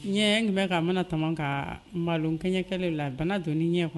Ɲɛ, n tun bɛ ka mana tɔmɔ ka malokɛɲɛkɛlen na bana donna ɲɛ kɔnɔ